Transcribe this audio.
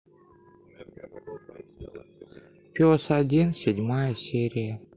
пес один седьмая серия